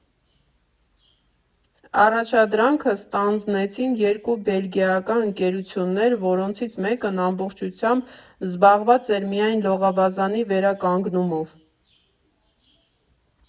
Առաջադրանքը ստանձնեցին երկու բելգիական ընկերություններ, որոնցից մեկն ամբողջությամբ զբաղված էր միայն լողավազանի վերականգնումով։